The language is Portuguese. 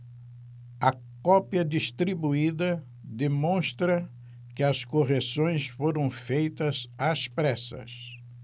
a cópia distribuída demonstra que as correções foram feitas às pressas